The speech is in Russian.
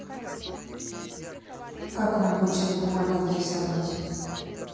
как на обычной бумаге нарисовать